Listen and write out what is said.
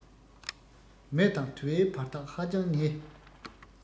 མེ དང དུ བའི བར ཐག ཧ ཅང ཉེ